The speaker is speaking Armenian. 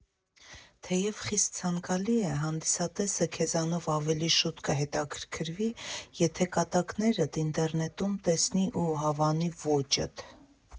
Թեև խիստ ցանկալի է. հանդիսատեսը քեզնով ավելի շուտ կհետաքրքրվի, եթե կատակներդ ինտերնետում տեսնի ու հավանի ոճդ։